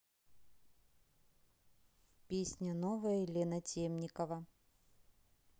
песня новая елена темникова